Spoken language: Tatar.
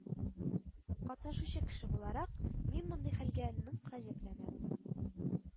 Катнашучы кеше буларак, мин мондый хәлгә нык гаҗәпләнәм